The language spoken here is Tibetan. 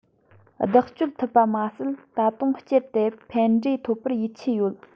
བདག སྤྱོད ཐུབ པ མ ཟད ད དུང སྤྱད དེ ཕན འབྲས འཐོབ པར ཡིད ཆེས ཡོད